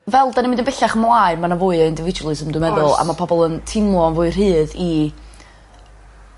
Fel 'dan ni mynd yn bellach mlaen ma' 'na fwy o individualism dwi meddwl. Oes. A ma' pobol yn timlo yn fwy rhydd i